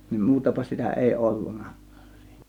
niin muutapa sitä ei ollutkaan -